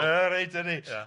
Yy reit, dyna ni... Ia...